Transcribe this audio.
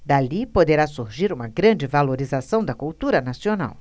dali poderá surgir uma grande valorização da cultura nacional